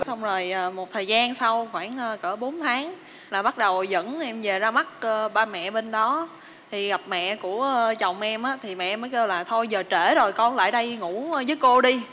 xong rồi à một thời gian sau khoảng à cỡ bốn tháng là bắt đầu dẫn em về ra mắt cơ ba mẹ bên đó thì gặp mẹ của chồng em á thì mẹ mới kêu là thôi giờ trễ rồi con lại đây ngủ với cô đi